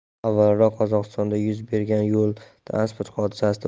avvalroq qozog'istonda yuz bergan yo transport hodisasida